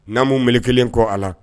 N'a' m kelen kɔ a la